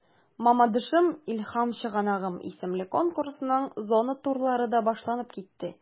“мамадышым–илһам чыганагым” исемле конкурсның зона турлары да башланып китте.